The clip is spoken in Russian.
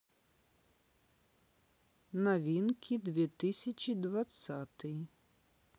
новинки две тысячи двадцатый